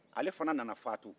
ale fana nana faatu